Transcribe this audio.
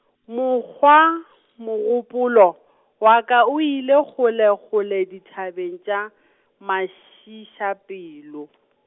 mokgwa mogopolo, wa ka o ile kgolekgole dithabeng tša , mašiišapelo.